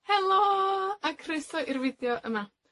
Helo! A croeso i'r fideo yma.